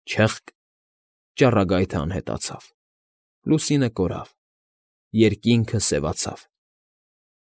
Չըխկ… Ճառագայթն անհետացավ, լուսինը կորավ, երկինքը սևացավ։